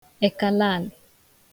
ekalaàlị̀